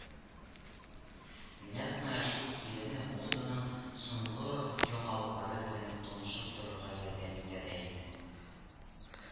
Нәкъ менә шул килене моданың соңгы яңалыклары белән танышып торырга ярдәм итә дә инде